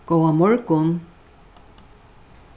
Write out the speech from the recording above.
góðan morgun